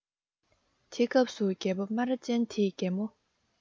དེ སྐབས སུ རྒད པོ རྨ ར ཅན དེས རྒད མོ